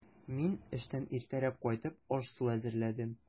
Мин, эштән иртәрәк кайтып, аш-су әзерләдем.